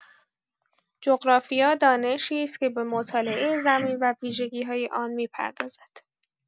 جغرافیا دانشی است که به مطالعه زمین و ویژگی‌های آن می‌پردازد.